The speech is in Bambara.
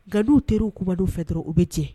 Nka'w teri u kumaba' fɛ dɔrɔn u bɛ cɛ